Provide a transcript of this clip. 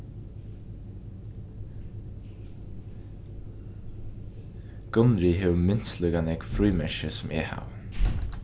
gunnrið hevur minst líka nógv frímerki sum eg havi